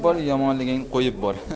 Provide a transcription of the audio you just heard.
bor yomonliging qo'yib bor